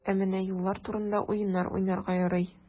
Ә менә юллар турында уеннар уйнарга ярый.